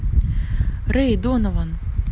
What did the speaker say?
рэй донован